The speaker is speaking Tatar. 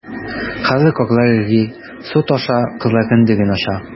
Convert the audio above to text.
Хәзер карлар эри, су таша - кызлар кендеген ача...